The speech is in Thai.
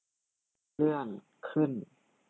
เลื่อนขึ้น